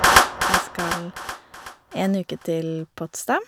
Jeg skal en uke til Potsdam.